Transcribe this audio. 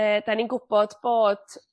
yy 'dan ni'n gwbod bod